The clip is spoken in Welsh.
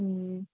Mm.